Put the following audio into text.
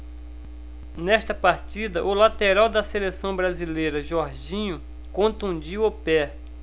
nesta partida o lateral da seleção brasileira jorginho contundiu o pé